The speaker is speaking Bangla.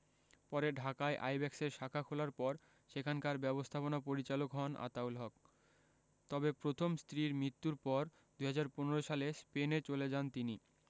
পরে ঢাকায় আইব্যাকসের শাখা খোলার পর সেখানকার ব্যবস্থাপনা পরিচালক হন আতাউল হক তবে প্রথম স্ত্রীর মৃত্যুর পর ২০১৫ সালে স্পেনে চলে যান তিনি